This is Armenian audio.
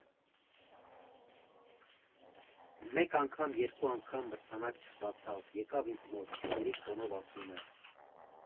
Մեկ անգամ, երկու անգամ մրցանակ չստացավ, եկավ ինձ մոտ, հիստերիկ տոնով ասում է.